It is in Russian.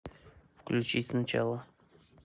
включить сначала